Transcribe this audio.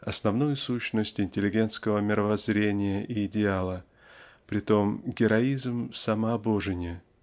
основную сущность интеллигентского мировоззрения и идеала притом героизм самообожения.